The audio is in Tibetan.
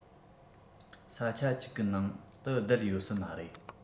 ས ཆ ཅིག གི ནང དུ བསྡད ཡོད སྲིད མ རེད